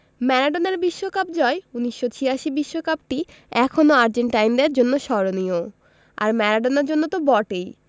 ম্যারাডোনার বিশ্বকাপ জয় ১৯৮৬ বিশ্বকাপটি এখনো আর্জেন্টাইনদের জন্য স্মরণীয় আর ম্যারাডোনার জন্য তো বটেই